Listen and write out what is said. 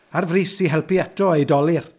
Ar frys i helpu eto ei dolur.